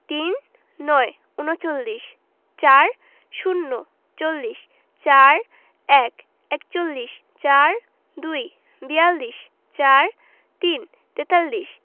৩৯ ঊনচল্লিশ ৪০ চল্লিশ ৪১ একচল্লিশ ৪২ বিয়াল্লিশ ৪৩ তেতাল্লিশ